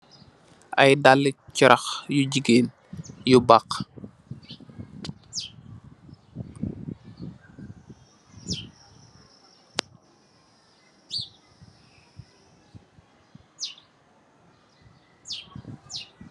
Ay daalë charax yu jigéen, yu baax.